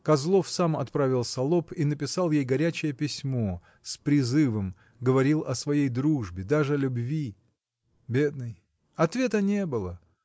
Козлов сам отправил салоп и написал ей горячее письмо — с призывом, говорил о своей дружбе, даже о любви. Бедный! Ответа не было.